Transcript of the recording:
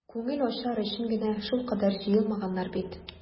Күңел ачар өчен генә шулкадәр җыелмаганнар бит.